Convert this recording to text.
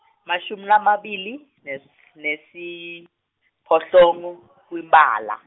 emashumi lamabili nes- nesiphohlongo ku Imbala.